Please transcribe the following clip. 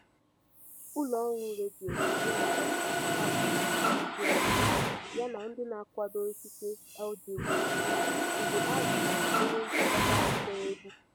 Ụlọọrụ redio dị na Russia kagburu ajụjụọnụ ya na ndị n'akwado ikike LGBT mgbe ha yichara onye nchịkọta akụkọ egwu.